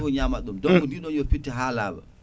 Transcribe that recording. fo ñamat ɗum donc ndiɗon yo fitte ha laaɓa